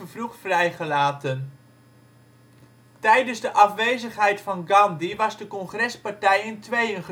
vrijgelaten. Tijdens de afwezigheid van Gandhi was de Congrespartij in tweeën